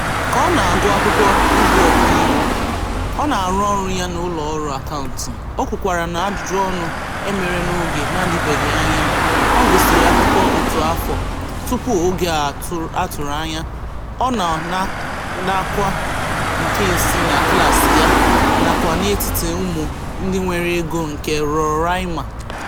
Ka ọ na-agụ akwụkwọ ị bụ ọkàiwu, ọ na-arụ ọrụ ya n'ụlọọrụ akaụntụ, o kwukwara n'ajụjụọnụ e mere n'oge n'adịbeghị anya, ọ gụsịrị akwụkwọ otu afọ tupu oge a tụrụ anya ya, ọ nọ n'ọkwá nke ise na klaasị ya, nakwa n'etiti ụmụ ndị nwere ego nke Roraima.